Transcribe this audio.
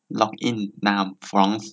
ล็อกอินนามฟร้องซ์